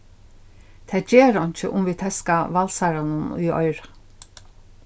tað ger einki um vit teska valdsharrunum í oyra